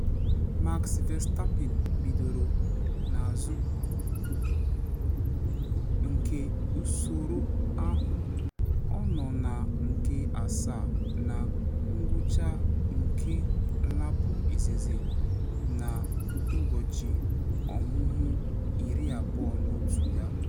Max Verstappen bidoro n’azụ nke usoro ahụ, ọ nọ na nke asaa na ngwụcha nke lapụ izizi na ụbọchị ọmụmụ 21 ya.